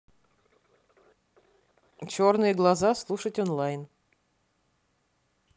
черные глаза слушать онлайн